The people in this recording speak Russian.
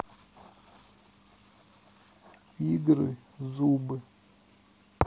игры зубы